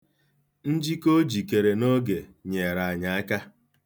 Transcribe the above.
Njike o jikere n'oge nyeere anyị aka.